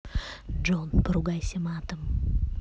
джой поругайся матом